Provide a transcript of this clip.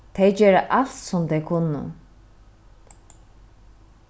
tey gera alt sum tey kunnu